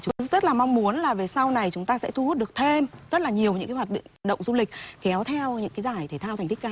rất là mong muốn là về sau này chúng ta sẽ thu hút được thêm rất là nhiều những cái hoạt động du lịch kéo theo những cái giải thể thao thành tích cao